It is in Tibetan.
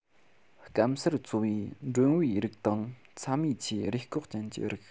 སྐམ སར འཚོ བའི འགྲོན བུའི རིགས དང ཚྭ མེད ཆུའི རུས སྐོགས ཅན གྱི རིགས